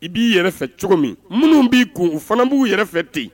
I b'i yɛrɛ cogo min minnu b'i kun u fana b'u yɛrɛ fɛ ten yen